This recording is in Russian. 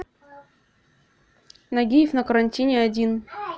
нагиев на карантине один